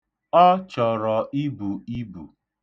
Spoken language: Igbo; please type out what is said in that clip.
Ọ chọrọ ibu ibu.